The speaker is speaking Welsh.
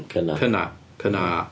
Cynna... Cynna. ...Cynnaa.